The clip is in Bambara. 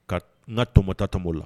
Ka n ka tɔmɔta tan' la